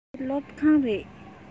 འདི སློབ ཁང རེད